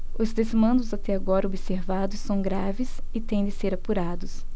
os desmandos até agora observados são graves e têm de ser apurados